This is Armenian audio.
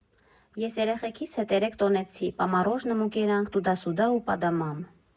Ես էրեխեքիս հետ էրեկ տոնեցի՝ պա մառոժնըմու կերանք, տուդա֊սուդա ու պադամամ։